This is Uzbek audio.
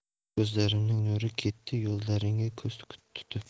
ko'zlarimning nuri ketdi yo'llaringga ko'z tutib